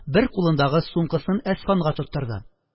Бер кулындагы сумкасын әсфанга тоттырды.